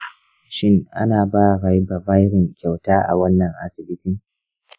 shin ana ba ribavirin kyauta a wannan asibitin?